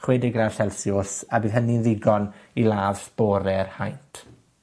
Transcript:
chwedeg gradd Celsiws, a bydd hynny'n ddigon i ladd sbore'r haint.